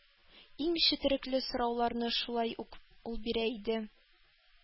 Иң четерекле сорауларны шулай ук ул бирә иде.